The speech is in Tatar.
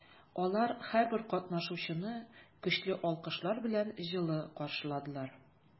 Алар һәрбер катнашучыны көчле алкышлар белән җылы каршыладылар.